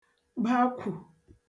bakwù